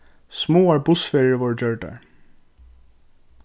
smáar bussferðir vórðu gjørdar